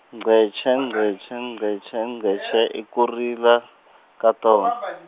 ngece ngece ngece ngece i ku rila, ka tona.